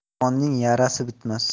yomonning yarasi bitmas